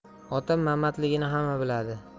otim mamatligini hamma biladi